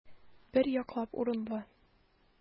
Бер яклап урынлы.